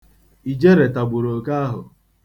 Ijere tagburu oke ahụ.